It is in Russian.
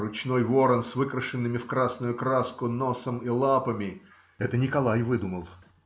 Ручкой ворон с выкрашенными в красную краску носом и лапами это Николай выдумал